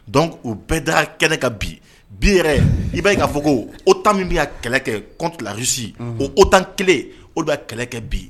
Donc o bɛɛ daa kɛnɛ kan bi bi yɛrɛ i b'a ye ka fɔ ko OTAN min be ka kɛlɛ kɛ contre la Russie unhun o OTAN 1 o de be ka kɛlɛ kɛ bi